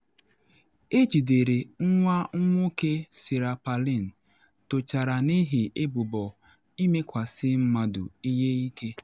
Ejidere Nwa Nwoke Sarah Palin Tọchara N’ihi Ebubo Ịmekwasị Mmadụ Ihe Ike